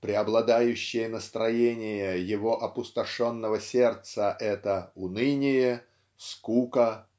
преобладающее настроение его опустошенного сердца -- это уныние скука